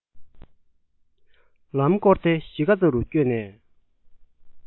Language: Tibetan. ལམ བསྐོར ཏེ གཞིས ཀ རྩེ རུ བསྐྱོད ནས